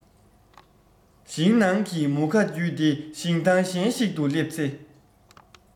ཞིང ནང གི མུ ཁ བརྒྱུད དེ ཞིང ཐང གཞན ཞིག ཏུ སླེབས ཚེ